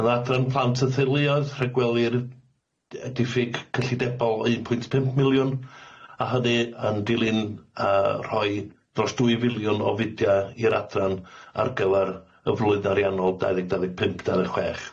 Yn adran plant a theluoedd rhagweli'r yy diffyg cyllidebol o un pwynt pump miliwn a hynny yn dilyn yy rhoi dros dwy filiwn o fidea i'r adran ar gyfar y flwyddyn ariannol dau ddeg dau ddeg pump dau ddeg chwech.